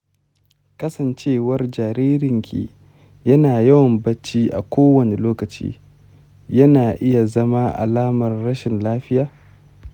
kasancewar jaririnki yana yawan barci a kowane lokaci yana iya zama alamar rashin lafiya